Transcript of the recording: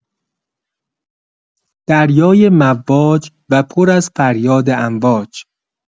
دریای مواج و پر از فریاد امواج